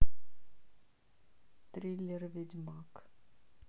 триллер ведьмак